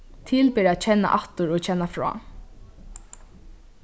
til ber at kenna aftur og kenna frá